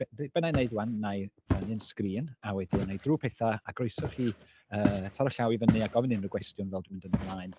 Be be wna i wneud ŵan, wna i rannu'n sgrin a wedyn a i drwy pethau a croeso i chi yy taro llaw i fyny a gofyn unrhyw gwestiwn fel dwi'n mynd yn fy mlaen.